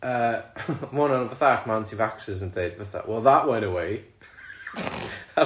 yy ma' hwnna'n 'wbath arall ma' anti-vaxxers yn deud fatha well that went away!